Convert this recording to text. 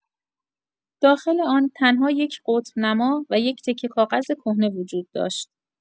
داخل آن، تنها یک قطب‌نما و یک تکه کاغذ کهنه وجود داشت.